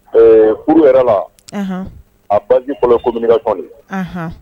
Ɛɛ furu yɛrɛ la a baji kɔ ko minika kɔn